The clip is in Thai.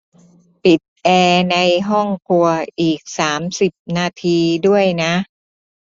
ปิดแอร์ในห้องครัวอีกสามสิบนาทีด้วยนะ